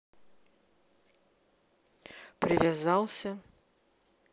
привязался